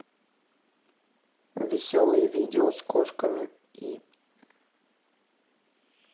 веселые видео с кошками и